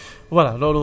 waa baax na